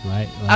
oui oui